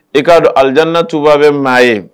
I k'a dɔ alidiyana tuba be maa ye